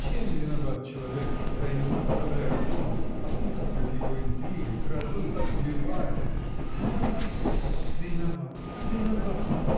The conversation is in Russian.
Чем виноват человек, когда ему подставляют ногу, опутывают его интригой, крадут, убивают?. Мало ли что! — Виноват, виноват!